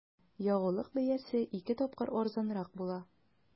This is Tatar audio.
Ягулык бәясе ике тапкыр арзанрак була.